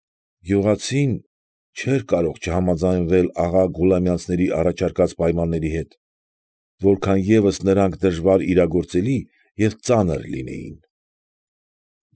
Գյուղացին չէր կարող չհամաձայնվել աղա Գուլամյանցների առաջարկած պայմանների հետ, որքան ևս նրանք դժվար իրագործելի և ծանր լինեին։